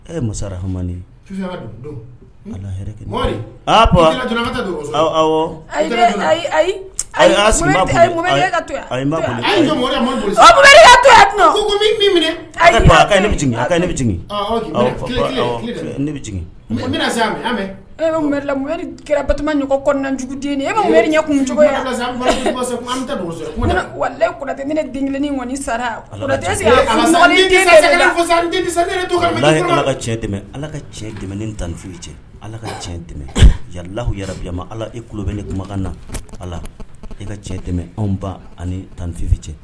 Masa ha ayi ne ne e la kira bamaɲɔgɔn kɔnɔnajuguden e ɲɛkun cogo watɛ ne den kelen sara ala ka cɛ tɛmɛ ni tan nifin cɛ ala ka yalabima ala e ku kulubali ni kumakan na ala e ka cɛn tɛmɛ anw ba ani tan nifinfin cɛ